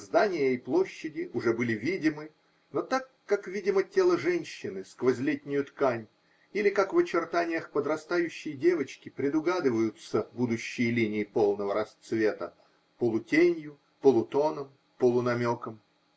Здания и площади уже были видимы, но так, как видимо тело женщины сквозь летнюю ткань или как в очертаниях подрастающей девочки предугадываются будущие линии полного расцвета -- полутенью, полутоном, полунамеком.